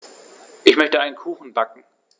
Ich möchte einen Kuchen backen.